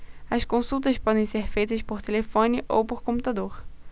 as consultas podem ser feitas por telefone ou por computador